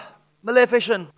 ma lê phê sừn